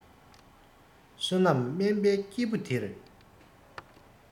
བསོད ནམས དམན པའི སྐྱེ བུ དེར